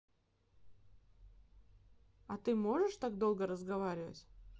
а ты можешь так долго разговаривать